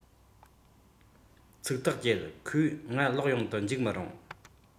ཚིག ཐག བཅད ཁོས ང ལོག ཡོང དུ འཇུག མི རུང